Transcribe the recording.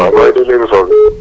waaw maa ngi déglu émission bi